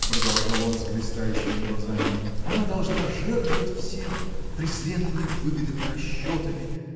– продолжал он с блистающими глазами – она должна жертвовать всем презренными выгодами расчетами